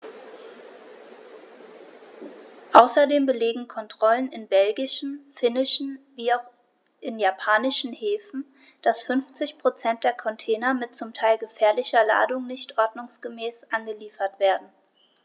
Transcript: Außerdem belegen Kontrollen in belgischen, finnischen wie auch in japanischen Häfen, dass 50 % der Container mit zum Teil gefährlicher Ladung nicht ordnungsgemäß angeliefert werden.